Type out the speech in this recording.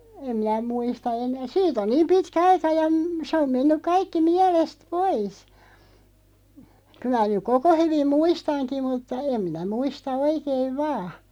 en minä muista - siitä on niin pitkä aika ja se on mennyt kaikki mielestä pois kyllä minä nyt koko hyvin muistankin mutta en minä muista oikein vain